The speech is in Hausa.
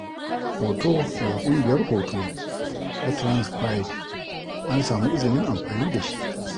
Hoto daga ƙungiyar Hoto ta Trans Pride, an samu izinin amfani da shi.